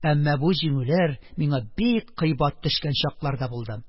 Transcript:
Әмма бу җиңүләр миңа бик кыйбат төшкән чаклар да булды